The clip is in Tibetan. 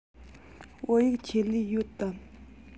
བོད ཡིག ཆེད ལས ཡོད དམ